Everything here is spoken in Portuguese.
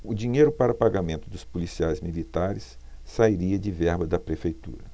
o dinheiro para pagamento dos policiais militares sairia de verba da prefeitura